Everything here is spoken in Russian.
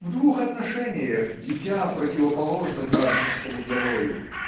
В двух отношениях дитя противоположно гаршинскому герою